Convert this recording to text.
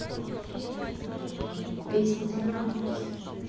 песни для маленьких